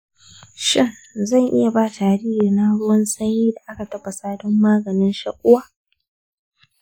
shin zan iya ba jaririna ruwan sanyi da aka tafasa don maganin shaƙuwa?